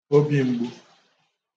obi mgbu